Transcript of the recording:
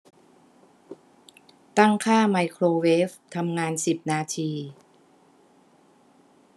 ตั้งค่าไมโครเวฟทำงานสิบนาที